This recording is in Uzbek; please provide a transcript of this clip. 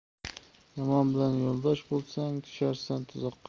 yomon bilan yo'ldosh bo'lsang tusharsan tuzoqqa